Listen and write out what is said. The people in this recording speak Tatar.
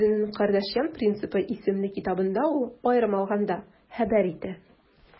Үзенең «Кардашьян принципы» исемле китабында ул, аерым алганда, хәбәр итә: